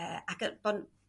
ee ag bo'